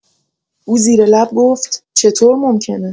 او زیر لب گفت: «چطور ممکنه؟»